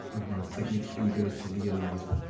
"Oh, you know, it's taken me three girls to realise..."